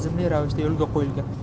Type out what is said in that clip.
tizimli ravishda yo'lga qo'yilgan